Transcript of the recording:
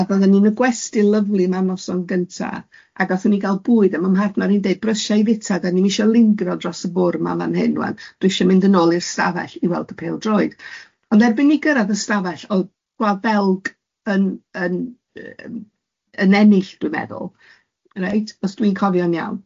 A oeddan ni'n y gwesty lyfli ma'r noson gynta. Ag aethon ni gael bwyd a ma' mhartnar i'n deud brysia i fyta, dan ni'm isio lingro dros y bwr yma fan hyn ŵan, dwi isio mynd yn ôl i'r stafell i weld y pêl-droed, ond erbyn ni gyrraedd y stafell oedd Gwlad Belg yn yn yn ennill dwi'n meddwl, reit, os dwi'n cofio'n iawn.